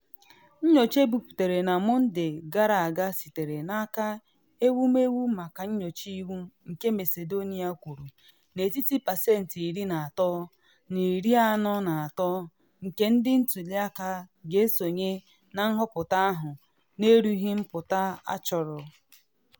Nyocha ebipụtara na Mọnde gara aga sitere n’aka Ewumewu maka Nyocha Iwu nke Macedonia kwuru n’etiti pasentị 30 na 43 nke ndị ntuli aka ga-esonye na nhọpụta ahụ - na erughi mpụta achọrọ.